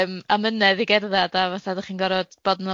yym amynedd i gerddad a fatha dach chi'n gorod bod yn